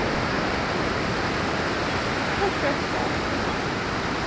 хахаха